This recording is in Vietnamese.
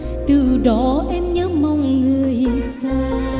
từ đó em nhớ mong người xa